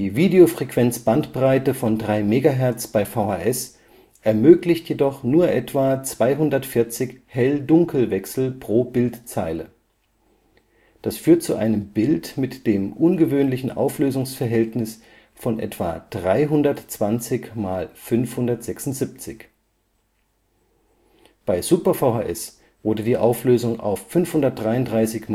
Videofrequenzbandbreite von 3 MHz bei VHS ermöglicht jedoch nur etwa 240 Hell-Dunkel-Wechsel pro Bildzeile. Das führt zu einem Bild mit dem ungewöhnlichen Auflösungsverhältnis von etwa 320 × 576. Bei Super-VHS wurde die Auflösung auf 533